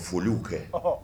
Foliw kɛ